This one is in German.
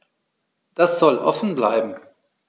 Das soll offen bleiben.